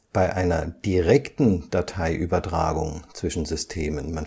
Bei einer direkten Dateiübertragung (File Transfer) zwischen Systemen